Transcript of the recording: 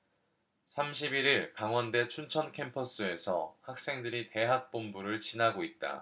삼십 일 일 강원대 춘천캠퍼스에서 학생들이 대학본부를 지나고 있다